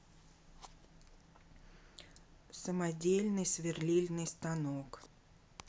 самодельный сверлильный станок